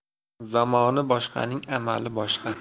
zamoni boshqaning amali boshqa